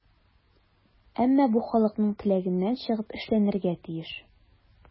Әмма бу халыкның теләгеннән чыгып эшләнергә тиеш.